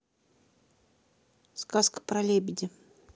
сказка про лебедя